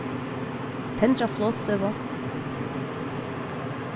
tendra flogstøðu